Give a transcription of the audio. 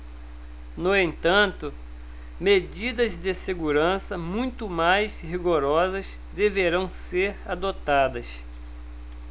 no entanto medidas de segurança muito mais rigorosas deverão ser adotadas